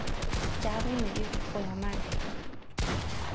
jig'ingni ezib qo'yaman